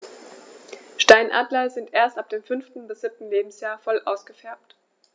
Steinadler sind erst ab dem 5. bis 7. Lebensjahr voll ausgefärbt.